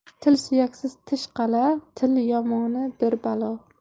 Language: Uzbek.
til suyaksiz tish qal'a til yomoni bir balo